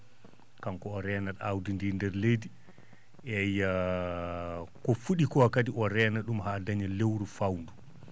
kanko o reenata aawdi ndi nder leydi eeyi ko fu?i ko kadi o reena ?um haa daña lewru fawndu